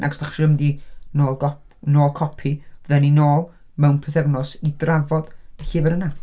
Ac os dach chi isho mynd i nôl gop- nôl copi fydda ni'n ôl mewn pythefnos i drafod y llyfr yna.